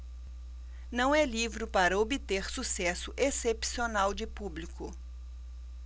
não é livro para obter sucesso excepcional de público